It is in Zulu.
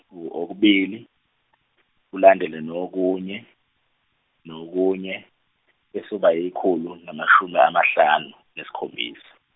okubili kulandele nokunye, nokunye, bese kuba yikhulu namashumi amahlanu neskhombisa.